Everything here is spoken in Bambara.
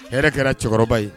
Hɛrɛ kɛra cɛkɔrɔba ye